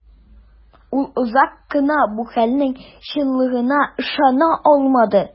Ул озак кына бу хәлнең чынлыгына ышана алмады.